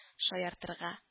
Шаяртырга